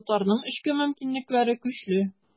Татарның эчке мөмкинлекләре көчле.